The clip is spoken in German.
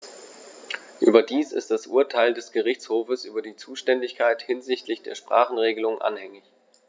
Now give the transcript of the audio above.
Überdies ist das Urteil des Gerichtshofes über die Zuständigkeit hinsichtlich der Sprachenregelung anhängig.